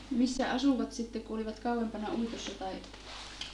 missä asuivat sitten kun olivat kauempana uitossa tai ajossa